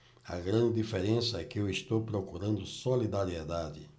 a grande diferença é que eu estou procurando solidariedade